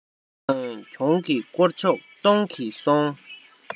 ཁེ དང གྱོང གི བསྐོར ཕྱོགས གཏོང གིན སོང